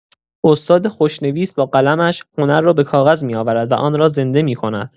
استاد خوشنویس با قلمش هنر را به کاغذ می‌آورد و آن را زنده می‌کند.